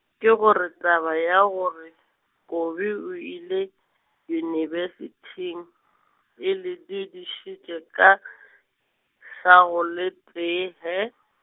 ke gore taba ya gore, Kobi o ile, yunibesithing, e le dudišitše ka , swago le tee he?